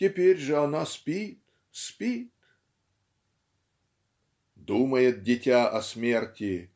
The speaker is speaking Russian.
теперь же она спит, спит. Думает дитя о смерти